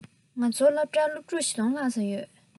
ང ཚོའི སློབ གྲྭར སློབ ཕྲུག ༤༠༠༠ ལྷག ཙམ ཡོད རེད